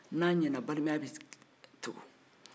n'an ɲɛna barika bɛ sɔrɔ